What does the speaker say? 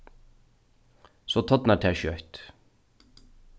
so tornar tað skjótt